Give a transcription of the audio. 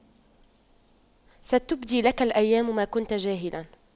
ستبدي لك الأيام ما كنت جاهلا